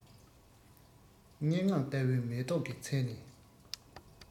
སྙན ངག ལྟ བུའི མེ ཏོག གི ཚལ ནས